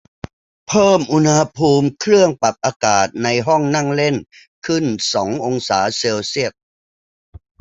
เพิ่มอุณหภูมิเครื่องปรับอากาศในห้องนั่งเล่นขึ้นสององศาเซลเซียส